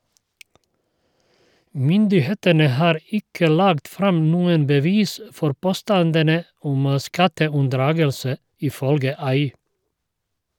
Myndighetene har ikke lagt fram noen bevis for påstandene om skatteunndragelse, ifølge Ai.